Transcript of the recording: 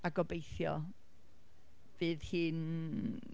A gobeithio, fydd hi'n...